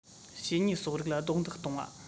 བྱས ཉེས གསོག རིགས ལ རྡུང རྡེག གཏོང བ